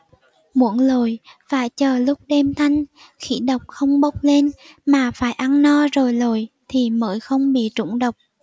muốn lội phải chờ lúc đêm thanh khí độc không bốc lên mà phải ăn no rồi lội thì mới không bị trúng độc